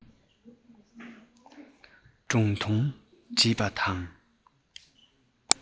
སྒྲུང ཐུང བྲིས དང